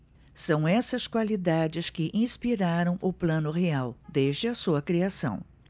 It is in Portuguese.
são essas qualidades que inspiraram o plano real desde a sua criação